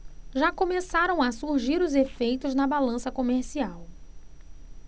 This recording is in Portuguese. já começam a surgir os efeitos na balança comercial